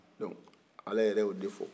dɔnki ala yɛrɛ ye o de fɔ